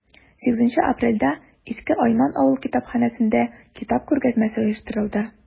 8 апрельдә иске айман авыл китапханәсендә китап күргәзмәсе оештырылды.